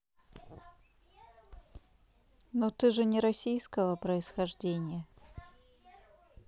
ну ты же не российского происхождения